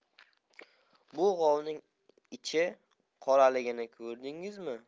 bu govning ichi qoraligini ko'rdingizmi